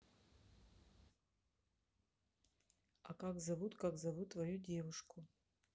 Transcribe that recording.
а как зовут как зовут твою девушку